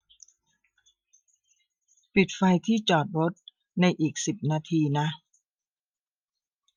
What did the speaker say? ปิดไฟที่จอดรถในอีกสิบนาทีนะ